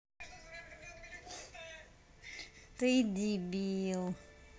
ты дибил